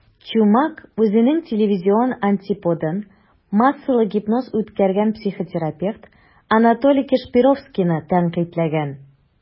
Чумак үзенең телевизион антиподын - массалы гипноз үткәргән психотерапевт Анатолий Кашпировскийны тәнкыйтьләгән.